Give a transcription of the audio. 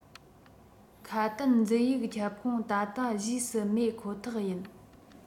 ཁ དན འཛིན ཡིག ཁྱབ ཁོངས ད ལྟ གཞིས སུ མེད ཁོ ཐག ཡིན